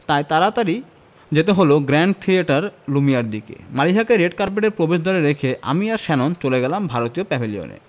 তাই তাড়াতাড়ি যেতে হলো গ্র্যান্ড থিয়েটার লুমিয়ারের দিকে মালিহাকে রেড কার্পেটের প্রবেশদ্বারে রেখে আমি আর শ্যানন চলে গেলাম ভারতীয় প্যাভিলিয়নে